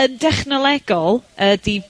yy, yn dechnolegol ydi...